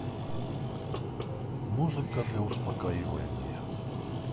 музыка для успокаивания